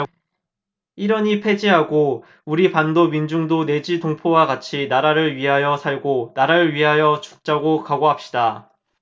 일언이폐지하고 우리 반도 민중도 내지 동포와 같이 나라를 위하여 살고 나라를 위하여 죽자고 각오합시다